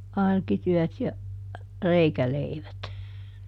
arkityöt ja reikäleivät